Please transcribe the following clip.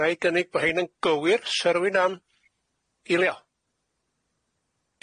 Wna i gynnig bo' rhein yn gywir, 'na rywun am eilio?